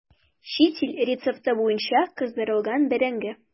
Чит ил рецепты буенча кыздырылган бәрәңге.